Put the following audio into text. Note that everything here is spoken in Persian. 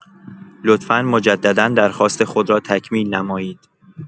لطفا مجددا درخواست خود را تکمیل نمایید.